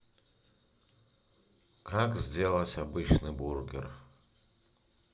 как сделать обычный бургер